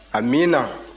amiina